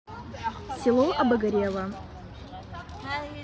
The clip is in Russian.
село обогрева